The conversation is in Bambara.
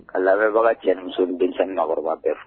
A labɛnbaga cɛmusosonin denkɔrɔba bɛɛ fo